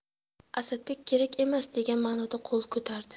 asadbek kerak emas degan ma'noda qo'l ko'tardi